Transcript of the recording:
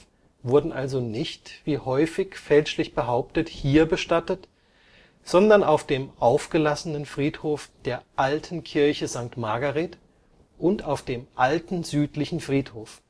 wurden also nicht, wie häufig fälschlich behauptet, hier bestattet, sondern auf dem aufgelassenen Friedhof der alten Kirche St. Margaret und auf dem Alten Südlichen Friedhof